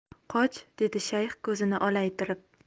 qoch dedi shayx ko'zini olaytirib